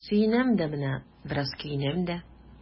Сөенәм дә менә, бераз көенәм дә.